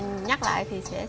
nhắc lại thì sẽ sẽ